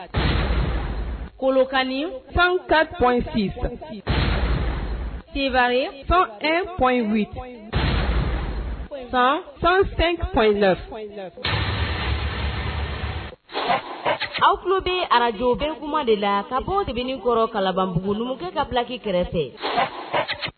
Kolonkani san ka kɔn san san sansen kɔn in la aw tulo bɛ araj bɛ kuma de la ka bɔ dekɔrɔ kalabanmbugu numukɛ ka bilaki kɛrɛfɛ